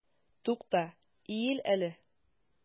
Тукта, иел әле!